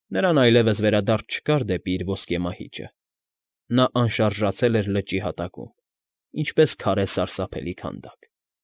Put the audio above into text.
Նրան այլևս վերադարձ չկար դեպի իր ոսկե մահիճը, նա անշարժացել էր լճի հատակում, ինչպես քարե սարսափելի քանդակ։